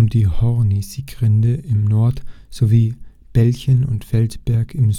die Hornisgrinde im Nord - sowie Belchen und Feldberg im